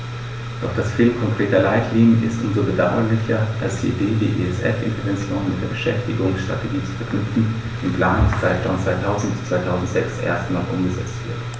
Doch das Fehlen konkreter Leitlinien ist um so bedauerlicher, als die Idee, die ESF-Interventionen mit der Beschäftigungsstrategie zu verknüpfen, im Planungszeitraum 2000-2006 erstmals umgesetzt wird.